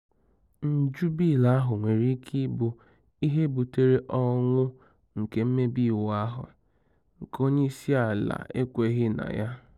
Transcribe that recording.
Njụ bịịlụ ahụ nwere ike ịbụ ihe butere ọnwụ nke mmebe iwu ahu — nke onyeisiala ekweghị na ya.